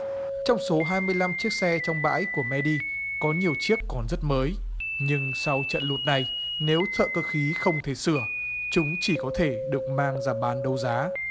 trong số hai mươi lăm chiếc xe trong bãi của mây đi có nhiều chiếc còn rất mới nhưng sau trận lụt này nếu thợ cơ khí không thể sửa chúng chỉ có thể được mang ra bán đấu giá